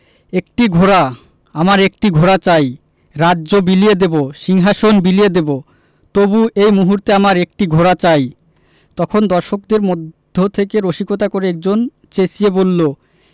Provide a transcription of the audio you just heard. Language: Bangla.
একটি ঘোড়া আমার একটি ঘোড়া চাই রাজ্য বিলিয়ে দেবো সিংহাশন বিলিয়ে দেবো তবু এই মুহূর্তে আমার একটি ঘোড়া চাই – তখন দর্শকদের মধ্য থেকে রসিকতা করে একজন চেঁচিয়ে বললো